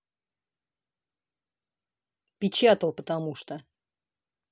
печатал потому что